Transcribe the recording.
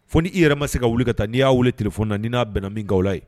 Fo n' i yɛrɛ ma se ka wuli ka taa n'i y'a wele t fɔ na ni n'a bɛn min ga ye